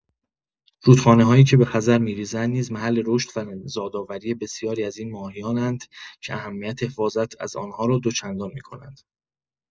رودخانه‌هایی که به خزر می‌ریزند نیز محل رشد و زادآوری بسیاری از این ماهیان‌اند که اهمیت حفاظت از آنها را دوچندان می‌کند.